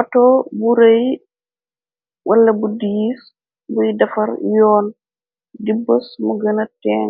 Auto burëy, wala bu diis, buy dafar yoon, di bës mu gëna ten